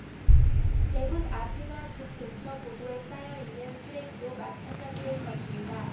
대문 앞이나 집 근처 보도에 쌓여 있는 쓰레기도 마찬가지일 것입니다